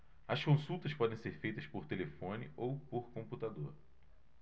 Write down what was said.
as consultas podem ser feitas por telefone ou por computador